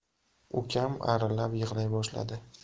ukam arillab yig'lay boshladi